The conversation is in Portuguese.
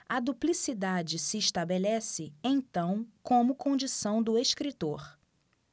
a duplicidade se estabelece então como condição do escritor